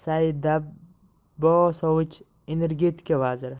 saidabbosovich energetika vaziri